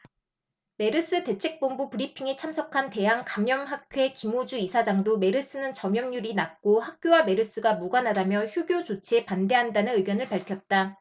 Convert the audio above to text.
메르스 대책본부 브리핑에 참석한 대한감염학회 김우주 이사장도 메르스는 전염률이 낮고 학교와 메르스가 무관하다며 휴교 조치에 반대한다는 의견을 밝혔다